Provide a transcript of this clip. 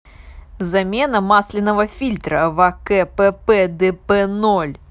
замена масляного фильтра в акпп дп ноль